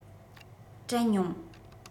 དྲན མྱོང